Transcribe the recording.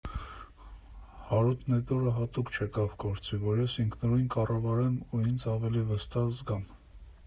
֊ Հարութն էդ օրը հատուկ չեկավ գործի, որ ես ինքնուրույն կառավարեմ ու ինձ ավելի վստահ զգամ։